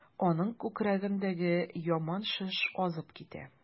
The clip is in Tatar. Аның күкрәгендәге яман шеш азып китә.